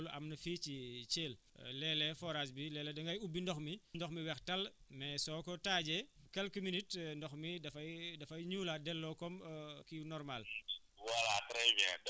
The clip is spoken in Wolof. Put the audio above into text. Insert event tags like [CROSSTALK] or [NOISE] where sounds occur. loolu mun naa wax bala ngaa jàll loolu am na fii ci Thièl [HESITATION] léeg-léeg forage bi léeg-léeg da ngay ubbi ndox mi ndox mi weex tàll mais soo ko taajee quelques minutes [HESITATION] ndox mi dafay dafay ñuulaat delloo comme [HESITATION] kii normal